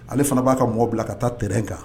Ale fana b'a ka mɔgɔ bila ka taa trɛn kan